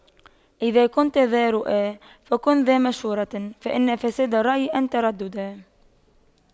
إذا كنتَ ذا رأيٍ فكن ذا مشورة فإن فساد الرأي أن تترددا